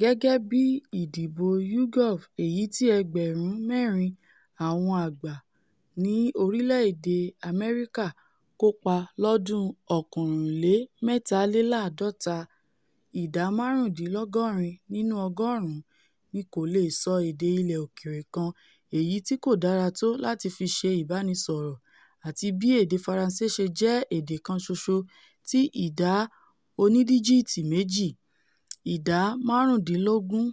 Gẹ́gẹ́ bi ìdìbò YouGov èyití ẹgbẹ̀rún mẹ́rin àwọn àgbà ní orile-ede UK kópa lọ́dún 2013, ìdá márùndínlọ́gọ́rin nínú ọgọ́ọ̀rún ni kò leè sọ èdè ilẹ̀ òkèèrè kan èyití kódára tó láti fiṣe ibánisọ̀rọ̀ atí bii èdè Faranṣe sè jẹ́ èdè kan ṣoṣo tí ìdá oní-díjíìtì méjì, ìdá márùndínlógún